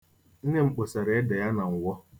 Nne m kposara ede ya na mwọ.